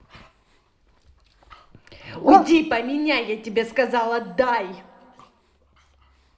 уйди поменяй я тебе сказала дай